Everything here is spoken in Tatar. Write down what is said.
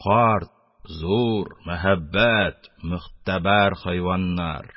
Карт, зур, мәһабәт, могтәбәр хайваннар.